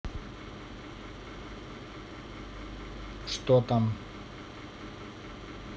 что там